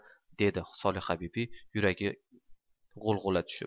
dedi solihabibi yuragi g'ulg'ulaga tushib